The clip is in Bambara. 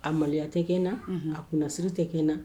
A maloya tɛ kɛ n na; unhun; a kunnasiri tɛ kɛ n na.